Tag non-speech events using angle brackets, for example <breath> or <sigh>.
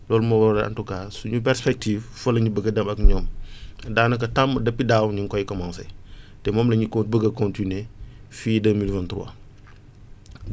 loolu moo waral en tout cas suñu perspective fa la ñu bëgg a dem ak ñoom <breath> daanaka tàmm depuis daaw ñu ngi koy commencé <breath> te moom la ñu ko bëgg a continuer fii deux mille vingt trois